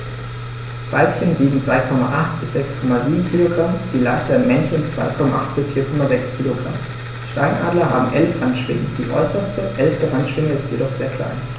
Weibchen wiegen 3,8 bis 6,7 kg, die leichteren Männchen 2,8 bis 4,6 kg. Steinadler haben 11 Handschwingen, die äußerste (11.) Handschwinge ist jedoch sehr klein.